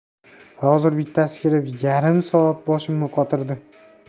hozir bittasi kirib yarim soat boshimni qotirdi